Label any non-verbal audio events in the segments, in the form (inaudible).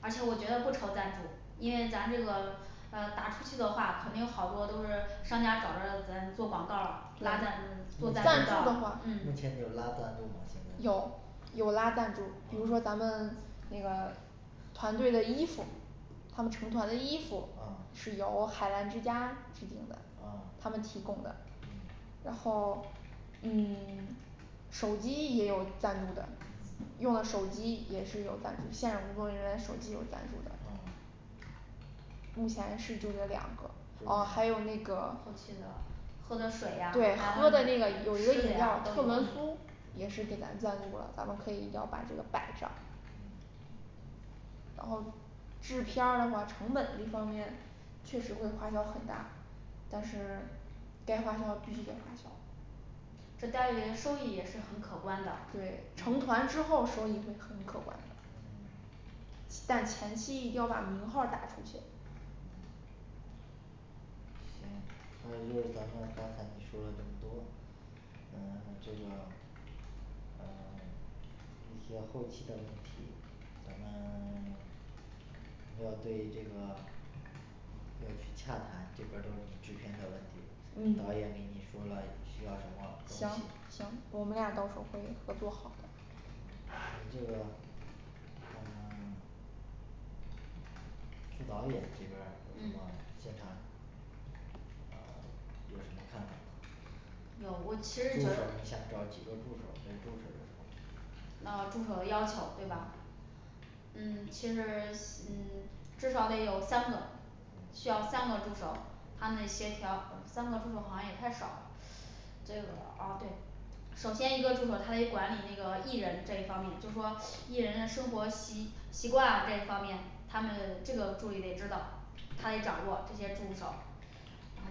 而且我觉得不愁赞助，因为咱这个呃打出去的话，可能有好多都是商家找着咱做广告儿啊拉赞对助做目前赞赞助助的话嗯目前有拉赞助吗现在有有拉赞助，比如说咱嗯们那个团队的衣服他们成团的衣服嗯是由海澜之家制定的，哦他们提供的嗯然后嗯 (silence) 手机也有赞助的用嗯的手机也是有赞助，现场工作人员手机有赞助的哦目前是就这两个就这哦还有那两个后期的喝的水呀对还有喝的那那个个有一个吃的饮料呀儿都特有仑苏也是嗯给咱赞助了，咱们可以一定要把这个摆上嗯然后制片儿的话成本这方面确实会花销很大，但是该花销必须得花销这待遇收益也是很可观的对成团之后收益会很可观的嗯前但前期一定要把名号儿打出去行还有就是咱们刚才你说了这么多呃这个呃 (silence) 一些后期的问题咱们 (silence) 要对这个要去洽谈这边儿都是你制片的问题导演给嗯你说了需要什么东西行行，我们俩到时候儿会合作好的你这个嗯副导演这边儿有什么宣传呃有什么看法儿吗有，助手儿我其实觉得你想找几个助手儿对助手儿有什么哦助手的要求对吧嗯嗯其实嗯至少得有三个需要三个助手儿，他们协调三个助手儿好像也太少了这个啊对首先一个助手儿他得管理那个艺人这一方面，就是说艺人的生活习习惯啊这一方面，他们这个助理得知道他得掌握这些助手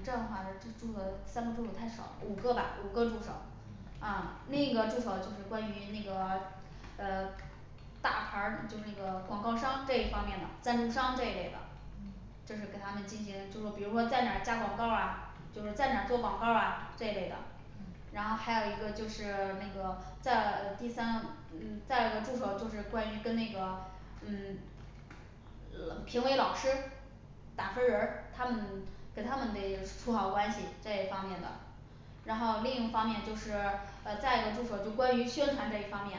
这样的话助助手三个助手太少，五个吧五个助手嗯啊，另一个助手就是关于那个呃大牌儿就那个广告儿商这一方面的赞助商这一类的嗯这是给他们进行就是说比如说在哪儿加广告儿啊就说在哪做广告儿啊这一类的嗯然后还有一个就是那个呃在第三，嗯再有一个助手就是会跟那个嗯呃评委老师打分儿人儿，他们跟他们得处处好关系这一方面的然后另一方面就是呃再一个助手就关于宣传这一方面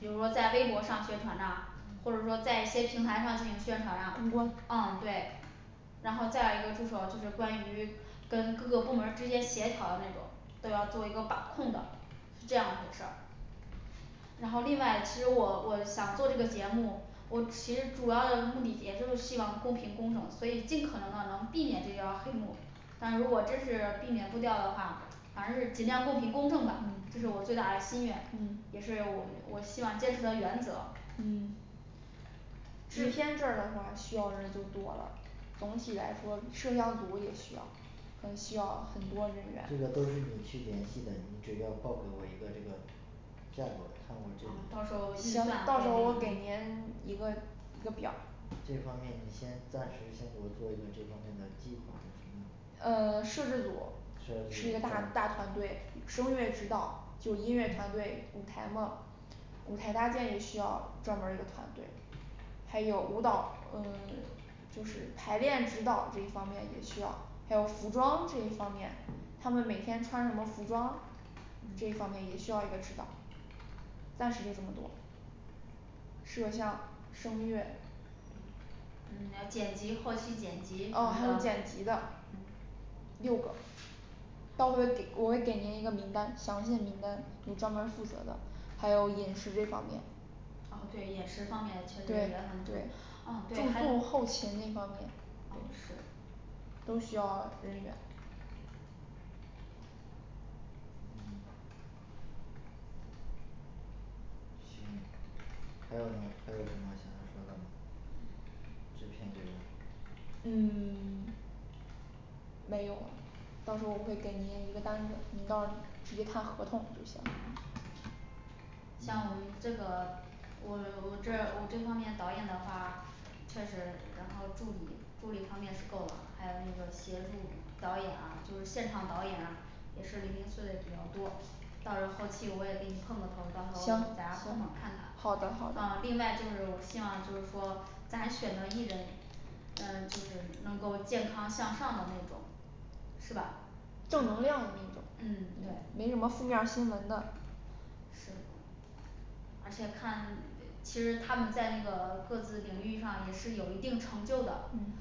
比如说在微博上宣传呢或嗯者说在一些平台上进行宣传啦公哦关对然后再有一个助手就是关于跟各个部门儿之间协调的那种都要做一个把控的是这样回事儿然后另外其实我我想做这个节目我其实主要的目的也就是希望公平公正，所以尽可能的能避免这叫黑幕但是如果真是避免不掉的话反正是尽量公平公正吧，这是我最嗯大的嗯心愿，也嗯是我我希望坚持的原则嗯制片这儿的一话需要的人儿就多了。 总体来说摄像组也需要还需要很多人这员个都是你去联系的，你只要报给我一个这个价格啊看我这到时候里行到时候儿我给您一个一个表儿这方面你先暂时先给我做一个这方面的计划有什么呃摄制组摄是制一个大组大团队声乐指导就音乐团队舞台嘛舞台搭建也需要专门儿一个团队还有舞蹈呃就是排练指导这一方面也得需要还有服装这一方面，他们每天穿什么服装，这一方嗯面也需要一个指导暂时就这么多摄像、声乐嗯要剪辑，后期剪辑什哦还有么剪辑的的嗯六个到时候给我会给您一个名单，详细的名单有专门儿负责的还有饮食这方面哦对饮食方面确实对也很重要对呃住对还宿有后勤那方面对方式都需要人员嗯行。还有吗还有什么想要说的吗制片这边儿嗯 (silence) 没有了到时候儿我会给您一个单子，您到直接看合同就行像我们嗯这个我我这儿我这方面导演的话确实然后助理助理方面是够了，还有那个协助导演啊就是现场导演啊，也是零零碎的比较多，到时候儿后期我也给你碰个头儿，到时行候行儿咱俩碰碰看看。好的好的啊另外就是我希望就是说咱选的艺人呃就是能够健康向上的那种是吧正能量的那种嗯对没什么负面儿新闻的是而且看其实他们在那个各自领域上也是有一定成就的嗯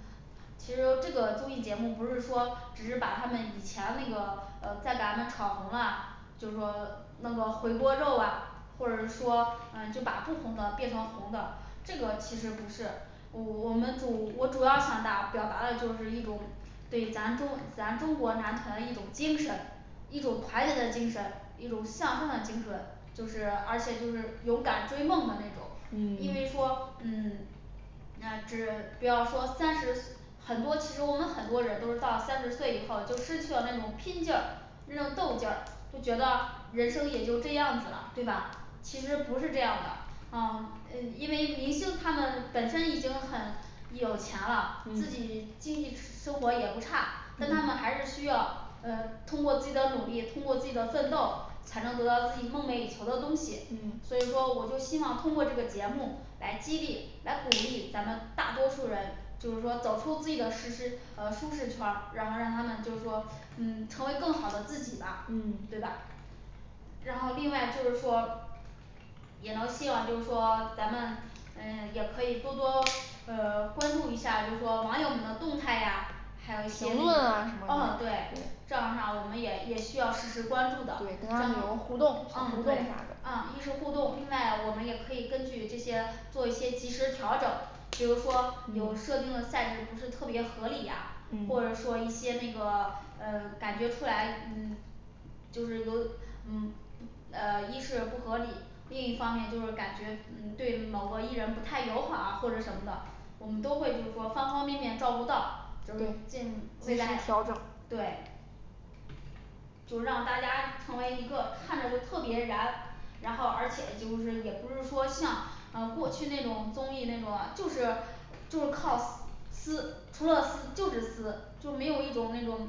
其实这个综艺节目不是说只是把他们以前那个呃在咱们炒红啊就是说弄个回锅肉啊或者是说嗯就把不红的变成红的这个其实不是我我们主我主要想达表达的就是一种对咱中咱中国男团的一种精神一种团结的精神，一种向上的精神，就是而且就是勇敢追梦的那种因嗯为说嗯你呀只不要说三十岁很多其实我们很多人都是到三十岁以后就失去了那种拼劲儿那种斗劲儿就觉得人生也就这样子了，对吧其实不是这样的啊呃因为明星他们本身已经很有钱了，自己嗯经济生活也不差，但他们还是嗯需要呃通过自己的努力，通过自己的奋斗才能得到自己梦寐以求的东西，所以嗯说我就希望通过这个节目来激励，来鼓励咱们大多数人就是说走出自己的实施呃舒适圈儿，然后让他们就是说嗯成为更好的自己吧嗯对吧然后另外就是说也能希望就是说咱们呃也可以多多呃关注一下，就说网友们的动态呀还有一些评论啊什么呃的对对这样的话我们也也需要时时关注的，嗯啊对跟对他们有个互动啥互动啥的啊一是互动，另外我们也可以根据这些做一些及时调整比如说有嗯设定的赛事不是特别合理呀或者嗯说一些那个呃感觉出来嗯就是由嗯呃一是不合理另一方面就是感觉嗯对某个艺人不太友好啊或者什么的我们都会就是说方方面面照顾到就是尽最及时大调整的对就是让大家成为一个看着就特别燃然后而且就是也不是说像呃过去那种综艺那种就是就是靠撕除了撕就是撕就没有一种那种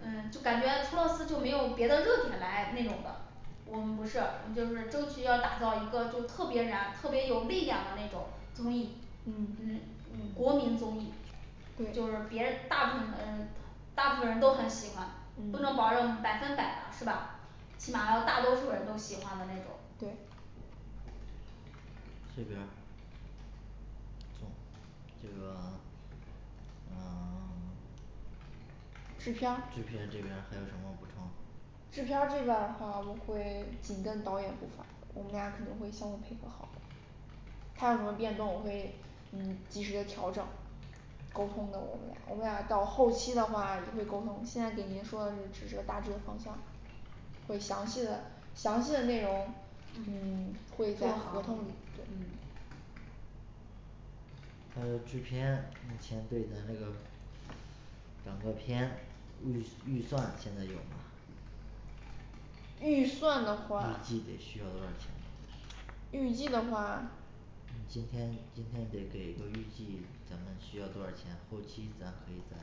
嗯就感觉除了撕就没有别的热点儿来那种的我们不是我们就是争取要打造一个就是特别燃特别有力量的那种综艺嗯嗯国嗯民综艺就是对别大部分呃大部分人都很喜欢，不能保嗯证百分百吧是吧起码要大多数人都喜欢的那种对这边儿送这个呃 (silence) 制制片儿这片儿边儿还有什么补充制片儿这边儿的话我会紧跟导演步伐我们俩肯定会相互配合好他有什么变动我会嗯及时的调整沟通的我们俩儿我们俩到后期的话也会沟通，现在给您说的只是大致方向会详细的详细的内容嗯 (silence) 会在做合好同里对嗯还有制片目前对咱这个整个片物 (unintelligible) 预算现在有吗预算的话预计得需要多少钱呢预计的话今天今天得给一个预计，咱们需要多少钱，后期咱可以再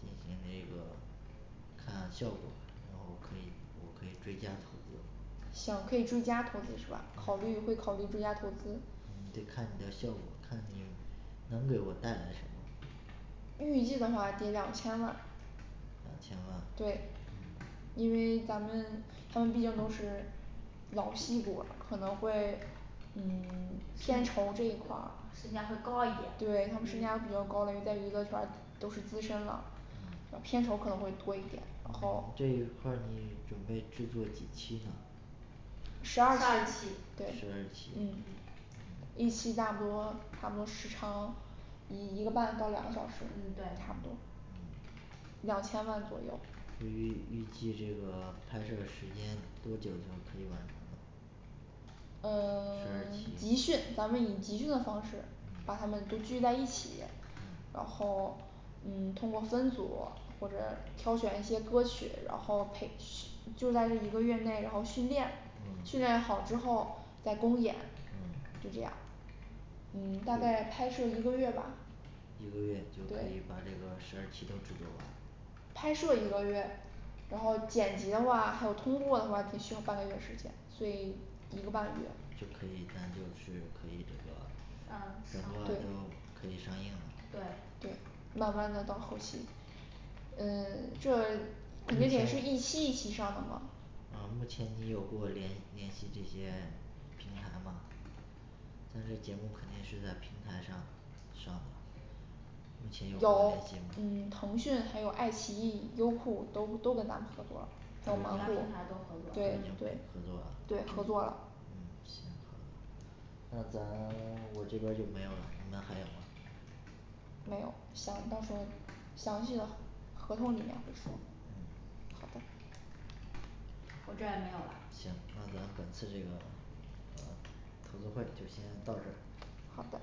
进行那个看效果，然后我可以我可以追加投资行可以追加投资是吧考虑嗯会考虑追加投资嗯得看你的效果看你能给我带来什么预计的话得两千万两千万对嗯因为咱们他们毕竟都是老戏骨儿了可能会嗯 (silence) 片酬这一块儿身价会高一点对他们身价比较嗯高了在娱乐圈儿都是资深了嗯片酬可能会多一点然嗯后这一块儿你准备制作几期呢十十二二期期对十二期嗯嗯一期大多差不多时长一一个半到两个小时嗯差不多嗯对两千万左右对于预计这个 (silence) 拍摄时间多久就可以完成了呃十 (silence) 集二期训咱们以集训的方式把他们都嗯聚在一起，嗯然后嗯通过分组或者挑选一些歌曲然后培训就在这一个月内然后训练嗯训练好之后在公演嗯就这样嗯大概这拍摄一个月吧一个月就可以对把这个十二期都制作完拍摄一个月然后剪辑的话还有通过的话得需要半个月时间，所以一个半月就可以咱就是可以这个嗯整个上就对可以上映了对对慢慢的到后期呃 (silence) 这肯目定前也是一期一期上的嘛呃目前你有过联联系这些平台吗那这节目肯定是在平台上上的目前有有过联嗯系吗腾讯还有爱奇艺，优酷都都跟咱们合作了这么大平台都都已经都已经合作对合对作对了合作了嗯行好的那咱 (silence) 我这边儿就没有了，你们还有吗没有，详到时候儿详细的合同里面会说嗯好的我这儿也没有了行那咱本次这个呃投资会就先到这儿好的